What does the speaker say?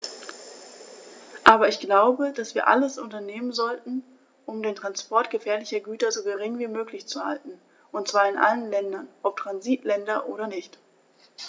Aber ich glaube, dass wir alles unternehmen sollten, um den Transport gefährlicher Güter so gering wie möglich zu halten, und zwar in allen Ländern, ob Transitländer oder nicht.